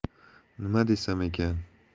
nima desam ekan